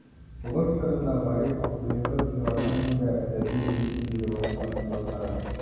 Сугыш чорында Гариф абзыебыз филармониядә әдәби бүлек мөдире вазыйфасын башкара.